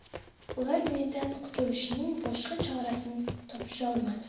ular mendan qutulishning boshqa chorasini topisholmadi